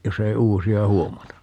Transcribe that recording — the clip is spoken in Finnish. jos ei uusia huomata